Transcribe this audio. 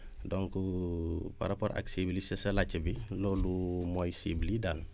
donc par rapport ak cibles yi sa laajte bi loolu mooy cibles yi daal